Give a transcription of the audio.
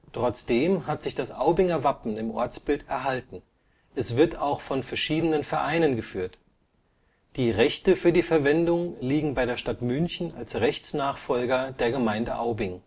Trotzdem hat sich das Aubinger Wappen im Ortsbild erhalten, es wird auch von verschiedenen Vereinen geführt. Die Rechte für die Verwendung liegen bei der Stadt München als Rechtsnachfolger der Gemeinde Aubing